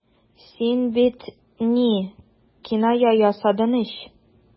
Син бит... ни... киная ясадың ич.